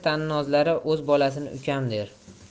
tannozlari o'z bolasini ukam der